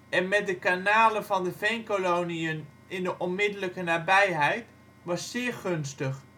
en met de kanalen van de Veenkoloniën in de onmiddellijke nabijheid was zeer gunstig